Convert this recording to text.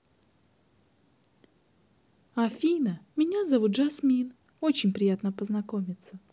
афина меня зовут jasmine очень приятно познакомиться